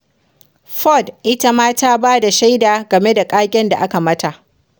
Ford ita ma ta ba da shaida game da ƙagen da aka mata.